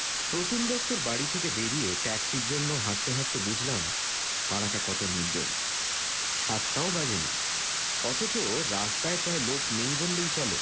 প্রতুল দত্তর বাড়ি থেকে বেরিয়ে ট্যাক্সির জন্য হাঁটতে হাঁটতে বুঝলাম পাড়াটা কত নির্জন সাতটাও বাজেনি অথচ রাস্তায় প্রায় লোক নেই বললেই চলে